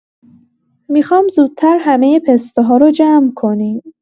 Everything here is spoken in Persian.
می‌خوام زودتر همۀ پسته‌ها رو جمع کنیم.